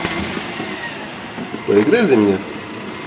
поиграй за меня